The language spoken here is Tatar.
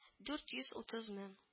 - дүрт йөз утыз мең